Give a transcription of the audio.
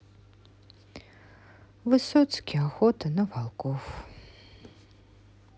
высоцкий охота на волков